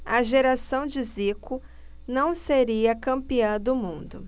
a geração de zico não seria campeã do mundo